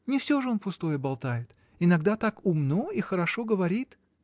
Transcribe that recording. — Не всё же он пустое болтает: иногда так умно и хорошо говорит.